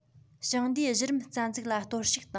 ཞིང སྡེའི གཞི རིམ རྩ འཛུགས ལ གཏོར བཤིག དང